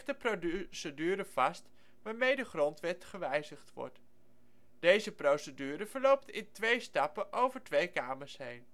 vast waarmee de grondwet gewijzigd wordt. Deze procedure verloopt in twee stappen over twee Kamers heen